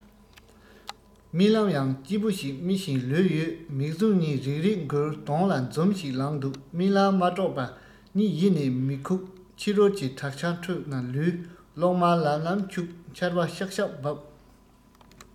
རྨི ལམ ཡང སྐྱིད པོ ཞིག རྨི བཞིན ལོས ཡོད མིག ཟུང གཉིས རིག རིག འགུལ གདོང ལ འཛུམ ཞིག ལངས འདུག རྨི ལམ མ དཀྲོགས པ གཉིད ཡེ ནས མི ཁུག ཕྱི རོལ གྱི དྲག ཆར ཁྲོད ན ལུས གློག དམར ལམ ལམ འཁྱུག ཆར བ ཤག ཤག འབབ